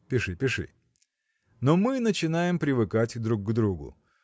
– Пиши, пиши: Но мы начинаем привыкать друг к другу.